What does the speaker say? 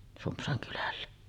Sumpsan kylällä